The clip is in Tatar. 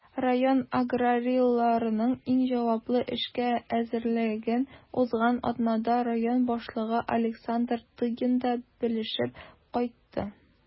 Район аграрийларының иң җаваплы эшкә әзерлеген узган атнада район башлыгы Александр Тыгин да белешеп кайтты.